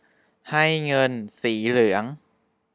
ให้เงินสีเหลือง